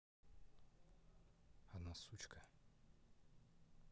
она сучка